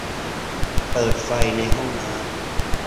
เปิดไฟในห้องน้ำ